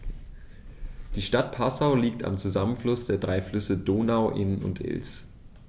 Die Stadt Passau liegt am Zusammenfluss der drei Flüsse Donau, Inn und Ilz.